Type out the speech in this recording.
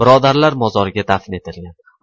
birodarlar mozoriga dafn etilgan